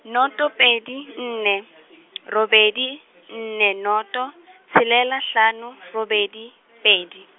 noto pedi nne , robedi nne noto, tshelela hlano, robedi, pedi.